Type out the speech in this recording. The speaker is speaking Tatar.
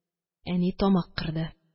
Әни тамак кырды